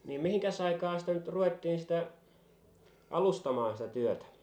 niin mihinkäs aikaan sitä nyt ruvettiin sitä alustamaan sitä työtä